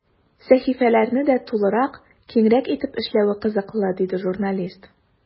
Сәхифәләрне дә тулырак, киңрәк итеп эшләве кызыклы, диде журналист.